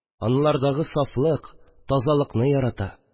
Анлардагы сафлык, тазалыкны ярата